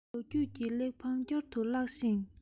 ལོ རྒྱུས ཀྱི གླེགས བམ བསྐྱར དུ བཀླགས ཤིང